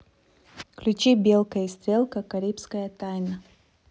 включи белка и стрелка карибская тайна